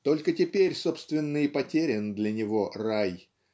Только теперь, собственно, и потерян для него рай